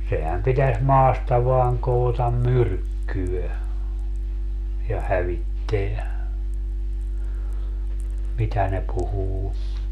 sehän pitäisi maasta vain koota myrkkyä ja hävittää mitä ne puhuu